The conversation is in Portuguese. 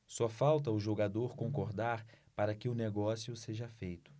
só falta o jogador concordar para que o negócio seja feito